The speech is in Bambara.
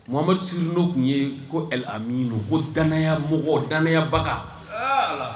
Mamadu sur nom kun ye ko Ɛl Aminun, ko danaya mɔgɔ, danayabaga, ɛɛ ala.